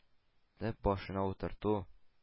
Төп башына утырту,